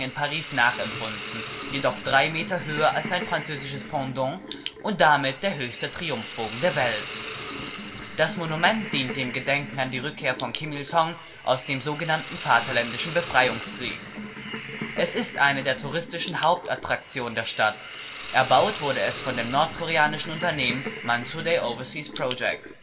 Paris nachempfunden, jedoch drei Meter höher als sein französisches Pendant und damit der höchste Triumphbogen der Welt. Das Monument dient dem Gedenken an die Rückkehr von Kim Il-sung aus dem sogenannten Vaterländischen Befreiungskrieg. Es ist eine der touristischen Hauptattraktionen der Stadt. Erbaut wurde es von dem nordkoreanischen Unternehmen Mansudae Overseas Projects